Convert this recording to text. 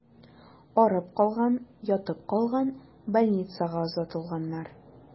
Арып калган, ятып калган, больницага озатылганнар.